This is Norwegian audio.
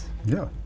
ja.